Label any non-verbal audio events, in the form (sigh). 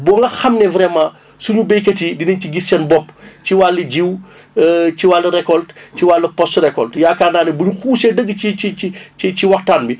ba nga xam ni vraiment sunu béykat yi dinañ ci gis seen bopp (breath) ci wàll jiw (breath) (hesitation) ci wàllu récolte ci wàllu post récolte yaakaar naa ne bu ñu xuusee dëgg ci ci ci waxtaan bi